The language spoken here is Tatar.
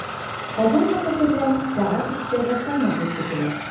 Казан вакыты белән сәгать өчтә башланыр дип көтелә.